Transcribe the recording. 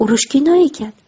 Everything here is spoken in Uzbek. urush kino ekan